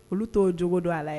Olu to jogo dɔn a la yen